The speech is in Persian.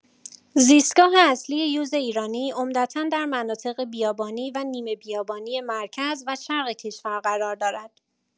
زیستگاه اصلی یوز ایرانی عمدتا در مناطق بیابانی و نیمه‌بیابانی مرکز و شرق کشور قرار دارد.